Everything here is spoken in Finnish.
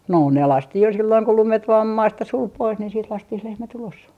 no ne laskettiin jo silloin kun lumet vain maasta suli pois niin sitten laskettiin lehmät ulos